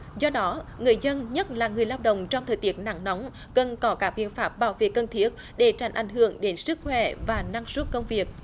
do đó người dân nhất là người lao động trong thời tiết nắng nóng cần có các biện pháp bảo vệ cần thiết để tránh ảnh hưởng đến sức khỏe và năng suất công việc